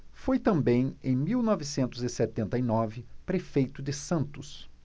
foi também em mil novecentos e setenta e nove prefeito de santos